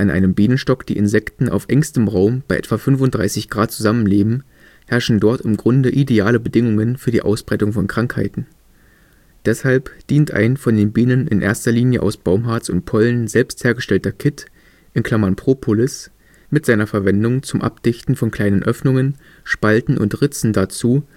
einem Bienenstock die Insekten auf engstem Raum bei etwa 35 °C zusammenleben, herrschen dort im Grunde ideale Bedingungen für die Ausbreitung von Krankheiten. Deshalb dient ein von den Bienen in erster Linie aus Baumharz und Pollen selbst hergestellter Kitt (Propolis) mit seiner Verwendung zum Abdichten von kleinen Öffnungen, Spalten und Ritzen dazu